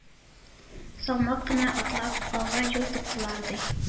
Салмак кына атлап, алга юл тоттылар, ди.